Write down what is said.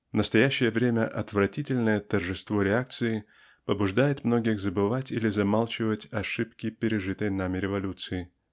В настоящее время отвратительное торжество реакции побуждает многих забывать или замалчивать ошибки пережитой нами революции.